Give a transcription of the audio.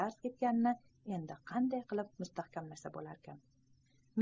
darz ketganini endi qanday qilib asliga keltirib bo'larkin